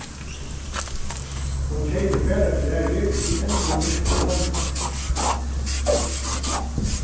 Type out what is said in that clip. hon keypir bara klæðir í endurnýtsluhandlum